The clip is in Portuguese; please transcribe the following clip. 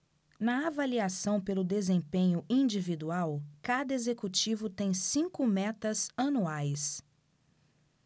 na avaliação pelo desempenho individual cada executivo tem cinco metas anuais